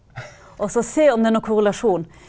også se om det er noen korrelasjon.